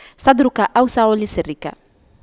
صدرك أوسع لسرك